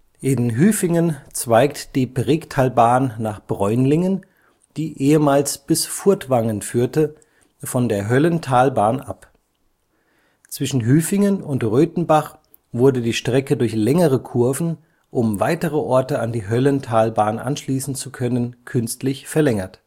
In Hüfingen zweigt die Bregtalbahn nach Bräunlingen, die ehemals bis Furtwangen führte, von der Höllentalbahn ab. Zwischen Hüfingen und Rötenbach wurde die Strecke durch längere Kurven, um weitere Orte an die Höllentalbahn anzuschließen zu können, künstlich verlängert